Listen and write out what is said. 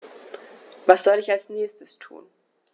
Was soll ich als Nächstes tun?